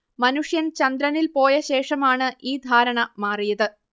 മനുഷ്യൻ ചന്ദ്രനിൽ പോയ ശേഷമാണ് ഈ ധാരണ മാറിയത്